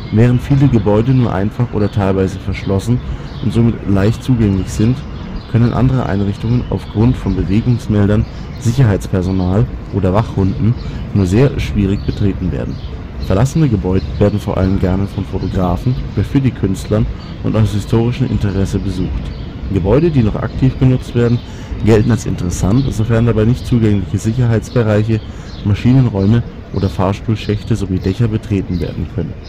Während viele Gebäude nur einfach oder teilweise verschlossen und somit leicht zugänglich sind, können andere Einrichtungen auf Grund von Bewegungsmeldern, Sicherheitspersonal oder Wachhunden nur sehr schwierig betreten werden. Verlassene Gebäude werden vor allem gerne von Fotografen, Graffiti-Künstlern und aus historischem Interesse besucht. Gebäude die noch aktiv genutzt werden gelten als interessant sofern dabei nicht zugängiche Sicherheitsbereiche, Maschinenräume oder Fahrstuhlschächte sowie Dächer betreten werden können